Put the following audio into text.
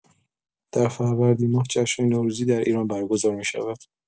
در فروردین‌ماه جشن‌های نوروزی در ایران برگزار می‌شود.